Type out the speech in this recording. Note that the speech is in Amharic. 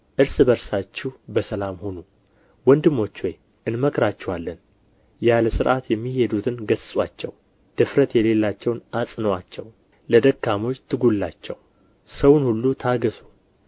እርስ በርሳችሁ በሰላም ሁኑ ወንድሞች ሆይ እንመክራችኋለን ያለ ሥርዓት የሚሄዱትን ገሥጹአቸው ድፍረት የሌላቸውን አጽኑአቸው ለደካሞች ትጉላቸው ሰውን ሁሉ ታገሡ